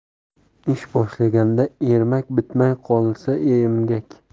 ish boshlaganda ermak bitmay qolsa emgak